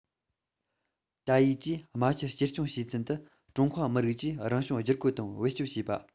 ཏ ཡུས ཀྱིས རྨ ཆུ བཅོས སྐྱོང བྱས ཚུན དུ ཀྲུང ཧྭ མི རིགས ཀྱིས རང བྱུང བསྒྱུར བཀོད དང བེད སྤྱོད བྱས པ